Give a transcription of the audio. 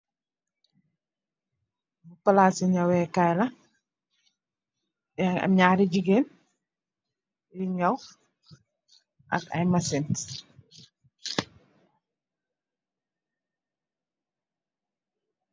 Palase nyewe kaye la yage am nyari jegain yuy nyew ak aye machine.